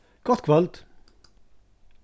gott kvøld